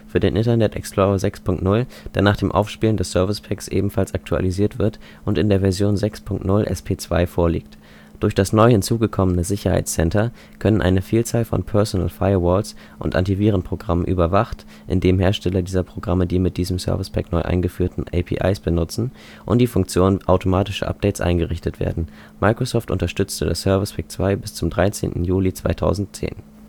für den Internet Explorer 6.0, der nach dem Aufspielen des Service Packs ebenfalls aktualisiert wird und in der Version 6.0 SP2 vorliegt. Durch das neu hinzugekommene „ Sicherheitscenter “können eine Vielzahl von Personal Firewalls und Antivirenprogrammen überwacht, indem Hersteller dieser Programme die mit diesem Service Pack neu eingeführten APIs benützten, und die Funktion „ automatische Updates “eingerichtet werden. Microsoft unterstützte das Service Pack 2 bis zum 13. Juli 2010